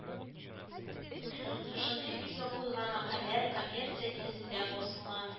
Шушындый билге куелган мәкаләләр коммерция нигезендә басыла